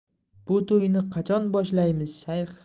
bu to'yni qachon boshlaymiz shayx